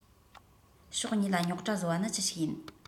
ཕྱོགས གཉིས ལ རྙོག དྲ བཟོ བ ནི ཅི ཞིག ཡིན